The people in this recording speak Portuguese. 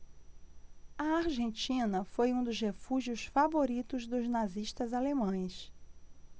a argentina foi um dos refúgios favoritos dos nazistas alemães